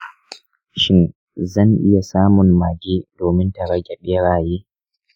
shin zan iya samun mage domin ta rage beraye?